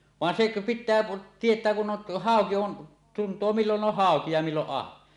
vaan se pitää tietää kun on hauki on tuntee milloin on hauki ja milloin ahven